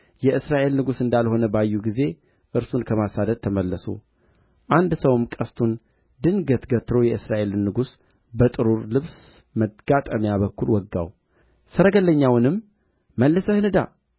የእስራኤል ንጉሥ እንዳልሆነ ባዩ ጊዜ እርሱን ከማሳደድ ተመለሱ አንድ ሰውም ቀስቱን ድንገት ገትሮ የእስራኤልን ንጉሥ በጥሩሩ ልብስ መጋጠሚያ በኩል ወጋው ሰረገለኛውንም መልሰህ ንዳ